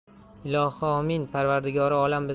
ilohi omin parvardigori olam